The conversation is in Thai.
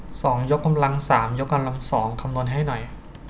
สองยกกำลังสามยกกำลังสองคำนวณให้หน่อย